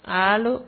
Aa